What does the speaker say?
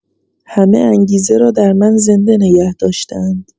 همه انگیزه را در من زنده نگه داشته‌اند.